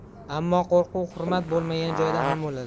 ammo qo'rquv hurmat bo'lmagan joyda ham bo'ladi